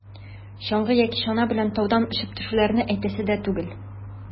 Чаңгы яки чана белән таудан очып төшүләрне әйтәсе дә түгел.